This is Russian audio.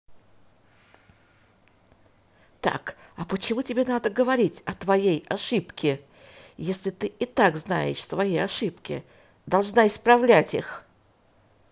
так а почему тебе надо говорить о твоей ошибки если ты и так знаешь свои ошибки должна исправлять их